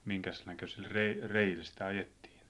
minkäs näköisillä - reillä sitä ajettiin